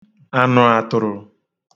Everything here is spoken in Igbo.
anụatụ̄rụ̄